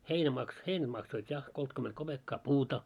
heinä - heinä maksoi ja kolmekymmentä kopeekkaa puuta